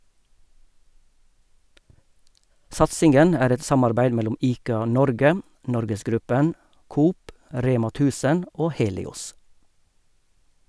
Satsingen er et samarbeid mellom ICA-Norge , NorgesGruppen, Coop , Rema 1000 og Helios.